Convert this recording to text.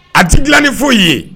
A tɛ dilan ni foyi ye